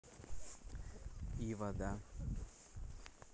и вода